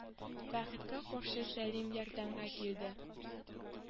Бәхеткә каршы сәлим ярдәмгә килде